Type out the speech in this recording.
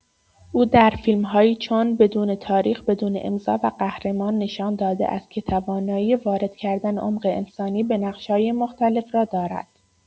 او در فیلم‌هایی چون بدون تاریخ، بدون امضا و قهرمان نشان داده است که توانایی وارد کردن عمق انسانی به نقش‌های مختلف را دارد.